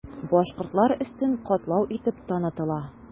Башкортлар өстен катлау итеп танытыла.